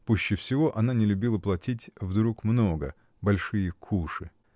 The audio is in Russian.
Пуще всего она не любила платить вдруг много, большие куши.